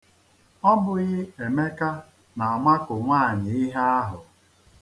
Ọ bụghị Emeka na-amakụ nwaanyị ihe ahụ?